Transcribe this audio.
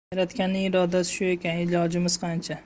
yaratganning irodasi shu ekan ilojimiz qancha